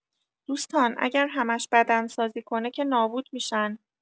دوستان اگر همش بدنسازی کنه که نابود می‌شن